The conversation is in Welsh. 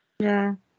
Ie.